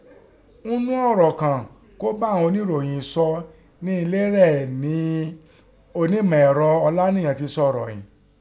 Ńnú ọ̀rọ̀ kan kọ́ bá ighọn ọníròyìn sọ nẹ ilé rẹ̀ nẹ́ Onímọ̀ẹ̀rọ̀ Ọláníyan ti sọ̀rọ̀ ìín.